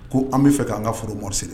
Ko an' fɛ k'an ka foro mori seli